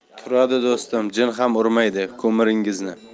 turadi do'stim jin ham urmaydi ko'miringizni